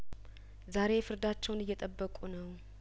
ዛሬ ፍርዳቸውን እየጠበቁ ነው